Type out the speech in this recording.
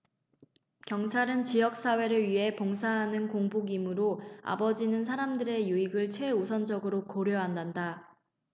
경찰은 지역 사회를 위해 봉사하는 공복이므로 아버지는 사람들의 유익을 최우선적으로 고려한단다